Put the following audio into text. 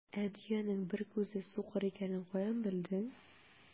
Ә дөянең бер күзе сукыр икәнен каян белдең?